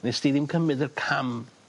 nes di ddim cymryd y cam